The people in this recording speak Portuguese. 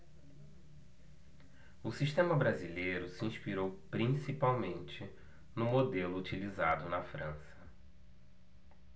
o sistema brasileiro se inspirou principalmente no modelo utilizado na frança